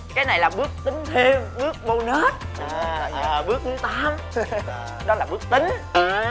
cái này là bước tính thêm bước bô nớt bước thứ tám đó là bước tính